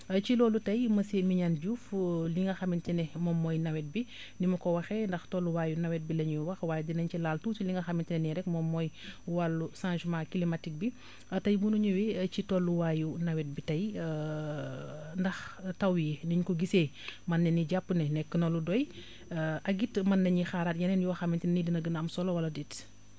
ci loolu tay monsieur Mignane Diouf li nga xamante ni moom mooy nawet bi ni ma ko waxee ndax tolluwaayu nawet bi la ñuy wax waaye dinañ ci laal tuuti li nga xamante ne ni rekk moom mooy wàllu changement climatique bi tay bu nu ñëwee ci tolluwaayu nawet bi tay ndax taw yi ni ñu ko gisee mën nañu jàpp ne nekk na lu doy ak it mën nañuy xaaraat yeneen yoo xamante ne ni dina gën a am solo wala déet